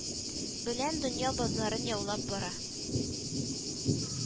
Белән дөнья базарын яулап бара